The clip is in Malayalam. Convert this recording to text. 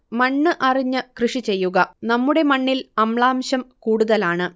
മണ്ണ് അറിഞ്ഞു കൃഷി ചെയ്യുക 'നമ്മുടെ മണ്ണിൽ അമ്ലാംശം കൂടുതലാണ്'